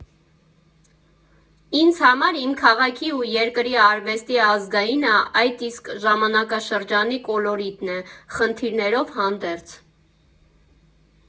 Ինձ համար իմ քաղաքի ու երկրի արվեստի ազգայինը այդ իսկ ժամանակաշրջանի կոլորիտն է՝ խնդիրներով հանդերձ։